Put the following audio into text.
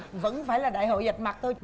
vẫn phải là đại hội vạch mặt thôi